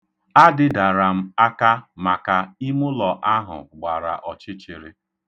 Adịdara m aka maka n'imụlọ ahụ gbara ọchịchịrị.